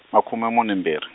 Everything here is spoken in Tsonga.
makhume mune mbirhi.